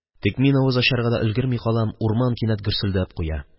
Тик мин авыз ачарга да өлгерми калам, урман кинәт гөрселдәп куя.